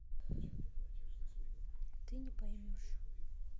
ты не поймешь